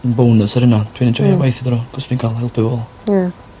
Ma'n bonus ar ynna dwi'n enjoio gweithio 'da n'a 'c'os fi'n ca'l helpu pobol. Ia.